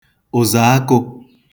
ụ̀zọ̀ọākụ̄